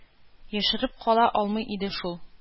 Яшереп кала алмый иде шул.